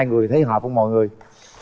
hai người thấy hợp hông mọi người